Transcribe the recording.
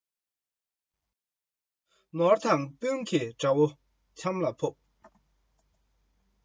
ནོར དང དཔུང གིས དགྲ བོ ཆམ ལ ཕོབ